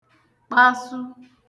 kpasu